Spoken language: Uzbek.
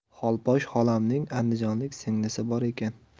xolposh xolamning andijonlik singlisi bor ekan